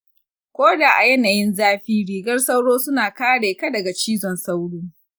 ko da a yanayin zafi rigar sauro suna kare ka daga cizon sauro.